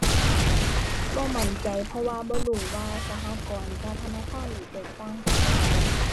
บ่มั่นใจ เพราะว่าบ่รู้ว่าสหกรณ์กับธนาคารนี่แตกต่างกันจั่งใด